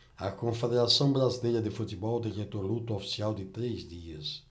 a confederação brasileira de futebol decretou luto oficial de três dias